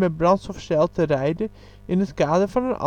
brandstofcel te rijden in het kader van